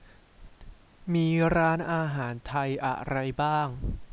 มีร้านอาหารไทยอะไรบ้าง